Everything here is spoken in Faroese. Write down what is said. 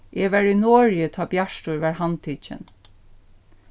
eg var í noregi tá bjartur varð handtikin